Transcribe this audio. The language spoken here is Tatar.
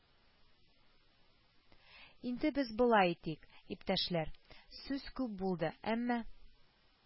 – инде без болай итик, иптәшләр: сүз күп булды, әмма